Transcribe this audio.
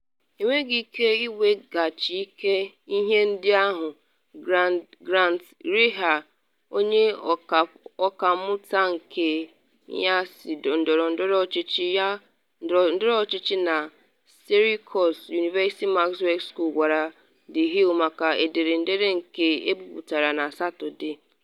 Enweghị ike iweghachi ihe ndị ahụ,” Grant Reeher, onye ọkammụta nke sayensị ndọrọndọrọ ọchịchị na Syracuse University Maxwell School gwara The Hill maka ederede nke ebiputara na Satọde.